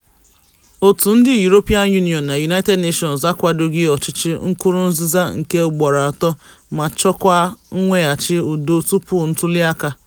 Òtù ndị European Union na United Nations akwadoghị ọchịchị Nkurunziza nke ugboro atọ, ma chọkwa mweghachi udo tupu ntuliaka.